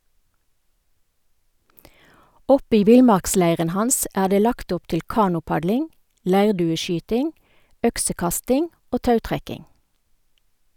Oppe i villmarksleiren hans er det lagt opp til kanopadling, leirdueskyting, øksekasting og tautrekking.